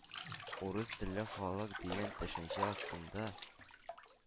«урыс телле халык» дигән төшенчә астында